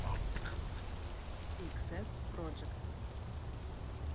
xs project